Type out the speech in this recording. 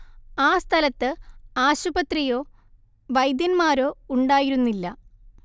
ആ സ്ഥലത്ത് ആശുപത്രിയോ വൈദ്യന്മാരോ ഉണ്ടായിരുന്നില്ല